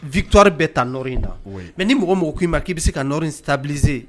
Vitoire bɛ ta Nord in na. Oui. mais ni mɔgɔ mɔgɔ k'i ma k'i bɛ se ka Nord in stabiliser .